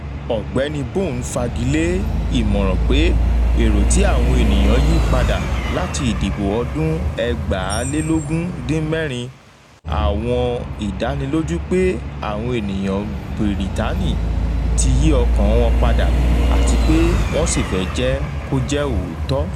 Ọ̀gbẹ́ni Bone fagile ìmọ̀ràn pé èro tí àwọn ènìyàn ti yípadà láti ìdìbò ọdún 2016: 'Àwọn ìdánilójú pé àwọn ènìyàn Bírítànì ti yí ọkàn wọn padà àti pé wọ́n sí fẹ́ jẹ́ kó jẹ́ òótọ́